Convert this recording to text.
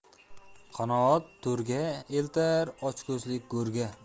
qanoat to'rga eltar ochko'zlik go'rga